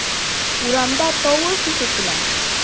Урамда тавыш ишетелә.